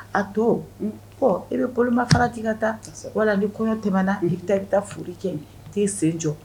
A to i bɛ koloma fara' ka taa wala ni kɔɲɔ tɛm na taa i taa furu kɛ i t'i sen jɔ